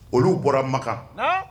Olu bɔra makan